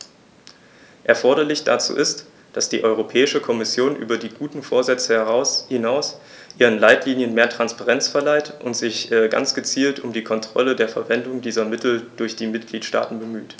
Erforderlich dazu ist, dass die Europäische Kommission über die guten Vorsätze hinaus ihren Leitlinien mehr Transparenz verleiht und sich ganz gezielt um die Kontrolle der Verwendung dieser Mittel durch die Mitgliedstaaten bemüht.